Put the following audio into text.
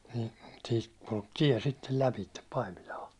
niin siitä kulki tie sitten läpi Paimilaan